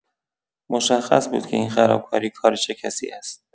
مشخص بود که این خراب‌کاری کار چه کسی است.